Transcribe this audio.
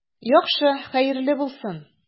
Яхшы, хәерле булсын.